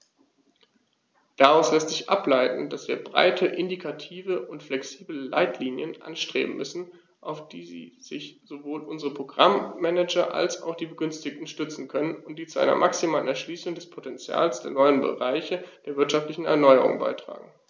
Daraus lässt sich ableiten, dass wir breite, indikative und flexible Leitlinien anstreben müssen, auf die sich sowohl unsere Programm-Manager als auch die Begünstigten stützen können und die zu einer maximalen Erschließung des Potentials der neuen Bereiche der wirtschaftlichen Erneuerung beitragen.